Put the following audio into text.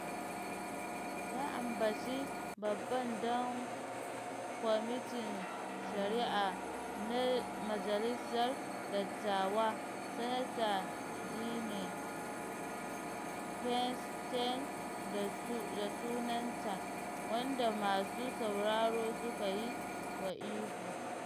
Ya ambaci babban dan Kwamitin Shari’a na Majalisar Dattawa Sanata Dianne Feinstein da sunanta, wanda masu sauraro suka yi wa ihu.